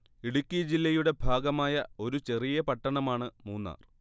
ഇടുക്കി ജില്ലയുടെ ഭാഗമായ ഒരു ചെറിയ പട്ടണമാണ് മൂന്നാർ